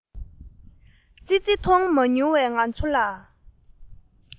ཙི ཙི མཐོང མ མྱོང བའི ང ཚོ ལ